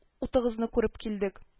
Утыгызны күреп килдек